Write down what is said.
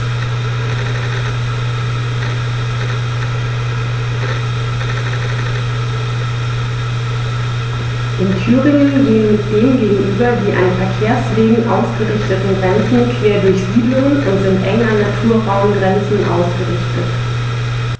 In Thüringen gehen dem gegenüber die an Verkehrswegen ausgerichteten Grenzen quer durch Siedlungen und sind eng an Naturraumgrenzen ausgerichtet.